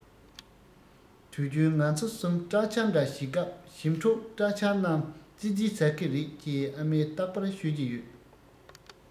དུས རྒྱུན ང ཚོ གསུམ པྲ ཆལ འདྲ བྱེད སྐབས ཞིམ ཕྲུག པྲ ཆལ རྣམས ཙི ཙིས ཟ གི རེད ཅེས ཨ མས རྟག པར ཤོད ཀྱི ཡོད